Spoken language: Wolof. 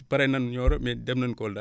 pare nan Nioro mais dem nan Kolda